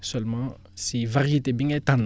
seulement si variété bi nga tànn